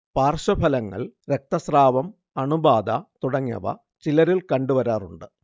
പാർശ്വഫലങ്ങൾ രക്തസ്രാവം, അണുബാധ തുടങ്ങിയവ ചിലരിൽ കണ്ടുവരാറുണ്ട്